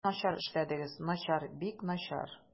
Сез начар эшләдегез, начар, бик начар.